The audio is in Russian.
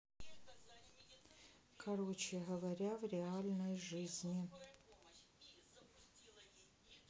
короче говоря в реальной жизни